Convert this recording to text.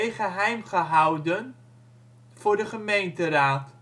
geheimgehouden voor de gemeenteraad